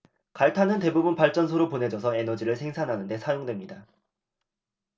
갈탄은 대부분 발전소로 보내져서 에너지를 생산하는 데 사용됩니다